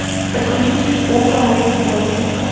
подключить окко мои устройства